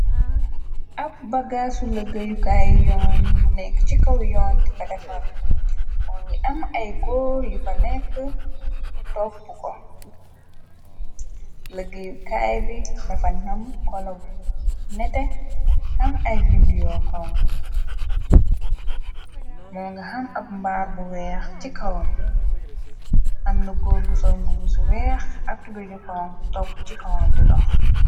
Ab bagaasu lëggayukaay yoon bu nekk ci kaw yoon di ko defar moo ngi am ay góor yu fa nekk topp ko lëggéyu kaay bi dafa nam kolagu nete xam ay bindu yoo xoŋg moo nga xam ab mbaar bu weex ci kawam amna góor gu son bubusu weex aktubudu xong topp ci kawam di .